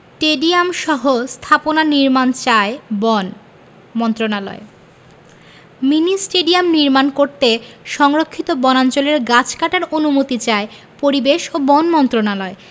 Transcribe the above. টেডিয়ামসহ স্থাপনা নির্মাণ চায় বন মন্ত্রণালয় মিনি স্টেডিয়াম নির্মাণ করতে সংরক্ষিত বনাঞ্চলের গাছ কাটার অনুমতি চায় পরিবেশ ও বন মন্ত্রণালয়